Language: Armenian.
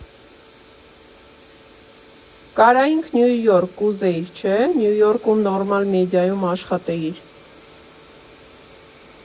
Կարանք՝ Նյու Յորք, կուզեիր, չէ՞, Նյու Յորքում նորմալ մեդիայում աշխատեիր…